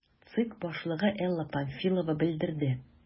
ЦИК башлыгы Элла Памфилова белдерде: